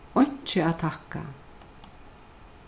einki at takka